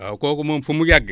waaw kooku moom fu mu yàgg